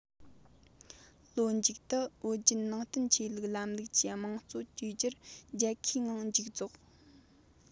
ལོ མཇུག ཏུ བོད བརྒྱུད ནང བསྟན ཆོས ལུགས ལམ ལུགས ཀྱི དམངས གཙོ བཅོས བསྒྱུར རྒྱལ ཁའི ངང མཇུག རྫོགས